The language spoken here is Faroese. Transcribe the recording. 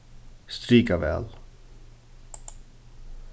strika val